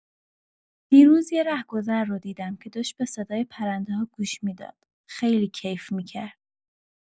دیروز یه رهگذر رو دیدم که داشت به صدای پرنده‌ها گوش می‌داد، خیلی کیف می‌کرد.